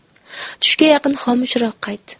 tushga yaqin xomushroq qaytdi